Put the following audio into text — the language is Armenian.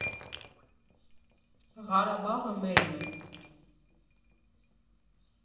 Ղարաբաղը մերն է։